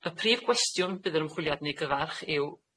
Y prif gwestiwn fydd yr ymchwiliad yn 'i gyfarch yw